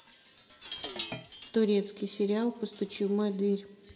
турецкий сериал постучи в мою дверь